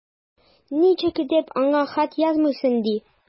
Ничек итеп аңа хат язмыйсың ди!